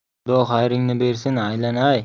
xudo xayringni bersin aylanay